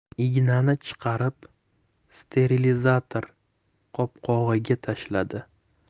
ignani chiqarib sterilizator qopqog'iga tashladi